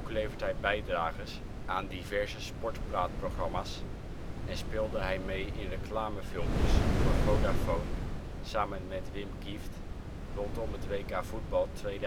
levert hij bijdrages aan diverse sportpraatprogramma’ s en speelde hij mee in reclamefilmpjes voor Vodafone samen met Wim Kieft rondom het WK voetbal 2006